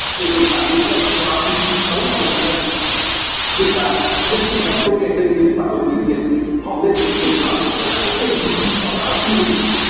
để được làm việc theo văn hoá là một đặc ân ngược lại nhân sự ngành công nghệ lên tiếng phản đối kịch liệt họ lên tiếng thông qua một dự án có tên icu